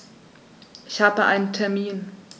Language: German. Ich habe einen Termin.